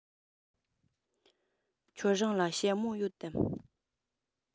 ཁྱོད རང ལ ཞྭ མོ ཡོད དམ